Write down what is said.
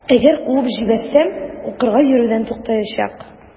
Әгәр куып җибәрсәм, укырга йөрүдән туктаячак.